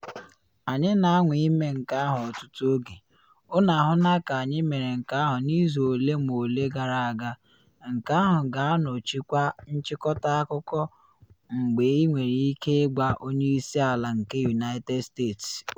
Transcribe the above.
Anyị na anwa ịme nke ahụ ọtụtụ oge, unu ahụla ka anyị mere nke ahụ n’izu ole ma ole gara aga, nke ahụ ga-anọchikwa nchịkọta akụkọ mgbe ị nwere ike ịgwa onye isi ala nke United States okwu.”